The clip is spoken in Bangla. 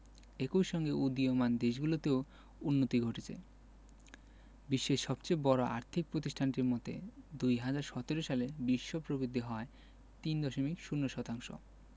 একই সঙ্গে উদীয়মান দেশগুলোতেও উন্নতি ঘটছে বিশ্বের সবচেয়ে বড় আর্থিক প্রতিষ্ঠানটির মতে ২০১৭ সালে বিশ্ব প্রবৃদ্ধি হয় ৩.০ শতাংশ